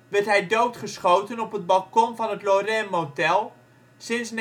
werd hij doodgeschoten op het balkon van het Lorraine Motel (sinds